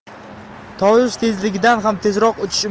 tovush tezligidan ham tezroq uchish